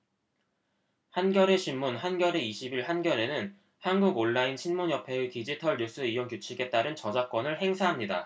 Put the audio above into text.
한겨레신문 한겨레 이십 일 한겨레는 한국온라인신문협회의 디지털뉴스이용규칙에 따른 저작권을 행사합니다